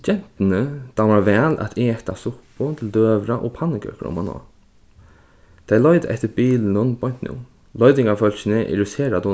gentuni dámar væl at eta suppu til døgurða og pannukøkur omaná tey leita eftir bilinum beint nú leitingarfólkini eru sera